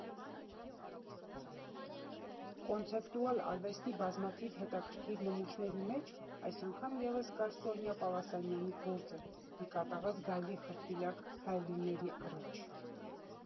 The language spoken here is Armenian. Կոնցեպտուալ արվեստի բազմաթիվ հետաքրքիր նմուշների մեջ այս անգամ ևս կար Սոնյա Պալասանյանի գործը՝ մի կատաղած գայլի խրտվիլակ հայելիների առաջ։